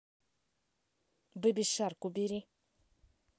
baby shark убери